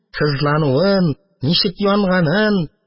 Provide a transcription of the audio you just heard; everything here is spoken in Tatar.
Сызлануын, ничек янганын;